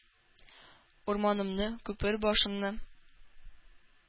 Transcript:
Урманымны, күпер башымны,